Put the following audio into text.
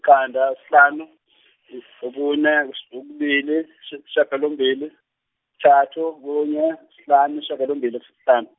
yiqanda yisihlanu yis- okune okubili shi- shagalombili kuthathu kunye kuhlanu shagalombili isihlanu.